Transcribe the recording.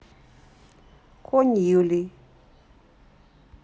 конь юлий